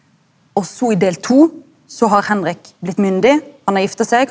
og so i del to så har Henrik blitt myndig, han har gifta seg.